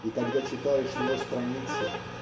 И когда читаешь его страницы